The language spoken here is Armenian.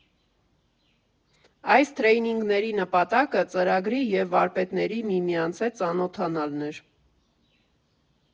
Այս թրեյնինգների նպատակը ծրագրի և վարպետների միմյանց հետ ծանոթանալն էր։